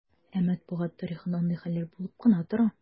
Ә матбугат тарихында андый хәлләр булып кына тора.